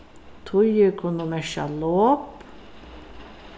tíðir kunnu merkja lop